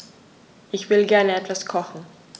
Ich will gerne etwas kochen.